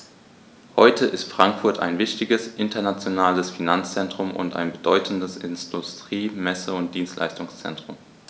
Heute ist Frankfurt ein wichtiges, internationales Finanzzentrum und ein bedeutendes Industrie-, Messe- und Dienstleistungszentrum.